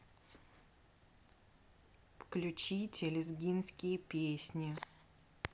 включите лезгинские песни